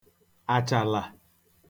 àchàlà